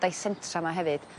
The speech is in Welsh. dicentra 'ma hefyd